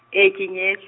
ee ke nyetsa.